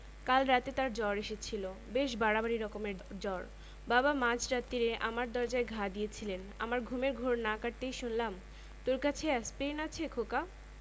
কাল রাতে তার জ্বর এসেছিল বেশ বাড়াবাড়ি রকমের জ্বর বাবা মাঝ রাত্তিরে আমার দরজায় ঘা দিয়েছিলেন আমার ঘুমের ঘোর না কাটতেই শুনলাম তোর কাছে এ্যাসপিরিন আছে খোকা